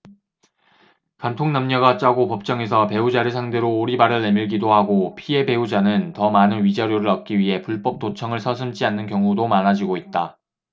간통 남녀가 짜고 법정에서 배우자를 상대로 오리발을 내밀기도 하고 피해 배우자는 더 많은 위자료를 얻기 위해 불법 도청을 서슴지 않는 경우도 많아지고 있다